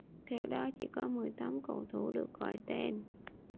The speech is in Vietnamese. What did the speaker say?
theo đó chỉ có mười tám cầu thủ được gọi tên